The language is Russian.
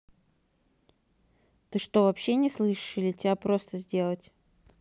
ты что вообще не слышишь или тебя просто сделать